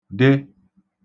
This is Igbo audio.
de